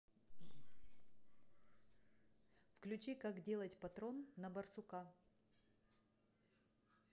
включи как делать патрон на барсука